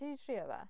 Ti 'di trio fe?